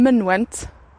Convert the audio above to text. mynwent,